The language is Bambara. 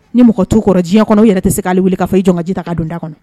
Ni mɔgɔ tukɔrɔ diɲɛ kɔnɔ yɛrɛ tɛ se'ale wuli k ka' fɔ i jɔnji ta ka donda kɔnɔ